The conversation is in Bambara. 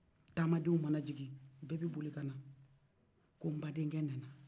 taamadenw mana jigi bɛɛ bɛ boli ka na ko n badenkɛ nana